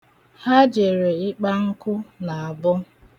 Ha jere ịkpa nkụ n'abọ.